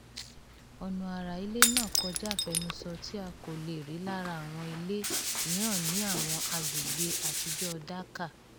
Ọnà ara ilé náà kọjá àfẹnusọ tí a kò le è rí lára àwọn ilé mìíràn ní àwọn agbègbè àtijọ́ọ Dhaka.